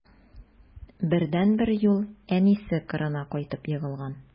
Бердәнбер юл: әнисе кырына кайтып егылган.